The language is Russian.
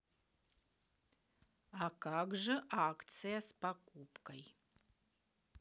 а как же акция с покупкой